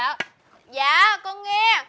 dạ dạ con nghe